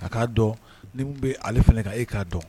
Ka k'a dɔn ni bɛ ale fana' e k'a dɔn